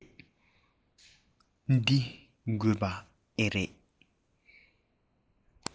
འདི དགོས པ ཨེ རེད